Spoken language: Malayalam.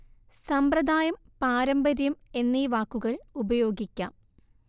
സമ്പ്രദായം പാരമ്പര്യം എന്നീ വാക്കുകൾ ഉപയോഗിക്കാം